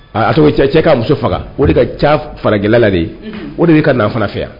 A cɛ cɛ ka muso faga o de ka ca fara gɛlɛla de o de ka na fana fɛ yan